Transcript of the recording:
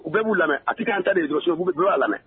U bɛɛ b'u lamɛ a k' an ta de jɔso uu don a lamɛn